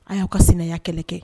An y'aw ka sɛnɛya kɛlɛ kɛ